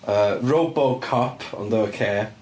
Yy Robocop ond efo k.